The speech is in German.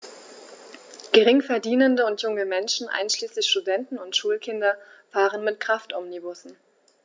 Geringverdienende und junge Menschen, einschließlich Studenten und Schulkinder, fahren mit Kraftomnibussen.